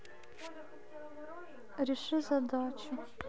реши задачу